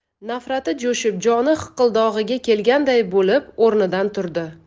nafrati jo'shib joni hiqildog'iga kelganday bo'lib o'rnidan turdi